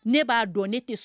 Ne ba dɔn ne te sɔn